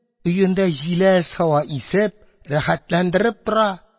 Өендә җиләс һава исеп, рәхәтләндереп тора